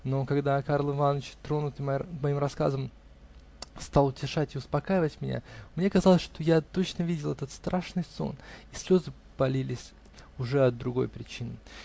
но когда Карл Иваныч, тронутый моим рассказом, стал утешать и успокаивать меня, мне казалось, что я точно видел этот страшный сон, и слезы полились уже от другой причины.